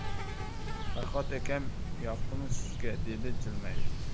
farhod akam yoqdimi sizga dedi jilmayib